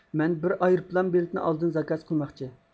مەن بىر ئايروپىلان بېلىتىنى ئالدىن زاكاز قىلماقچى